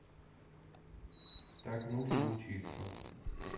так нужно учиться